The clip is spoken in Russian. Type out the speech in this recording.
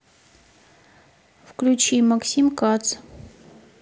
включи максим кац